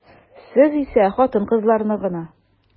Сез исә хатын-кызларны гына.